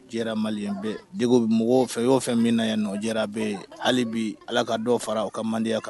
Jara mali bɛ de bɛ mɔgɔw fɛ ye o fɛn min na yan nɔ jara bɛ ye hali bi ala ka dɔw fara u ka mandenya kan